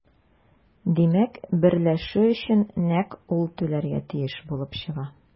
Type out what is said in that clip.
Димәк, берләшү өчен нәкъ ул түләргә тиеш булып чыга.